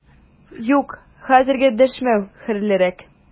Юк, хәзергә дәшмәү хәерлерәк!